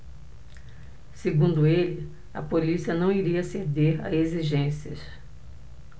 segundo ele a polícia não iria ceder a exigências